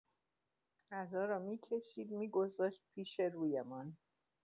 غذا را می‌کشید، می‌گذاشت پیش روی‌مان.